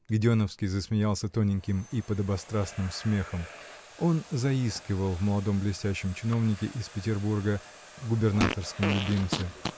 Гедеоновский засмеялся тоненьким и подобострастным смехом: он заискивал в молодом блестящем чиновнике из Петербурга, губернаторском любимце.